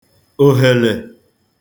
òhèlè